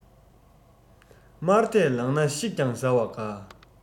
དམར དད ལངས ན ཤིག ཀྱང ཟ བ དགའ